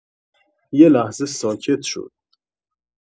یه لحظه ساکت شد.